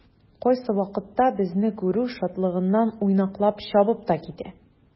Кайсы вакытта безне күрү шатлыгыннан уйнаклап чабып та китә.